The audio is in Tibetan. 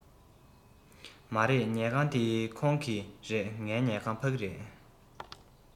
མ རེད ཉལ ཁང འདི ཁོང གི རེད ངའི ཉལ ཁང ཕ གི རེད